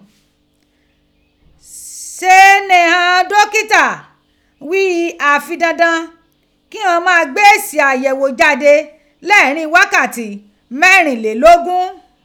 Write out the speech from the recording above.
Se nighan dokita ghi afi dandan ki ghan maa gbe esi ayẹgho jade leerin ghakati mẹrinlelogun.